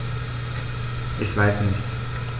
Ich weiß nicht.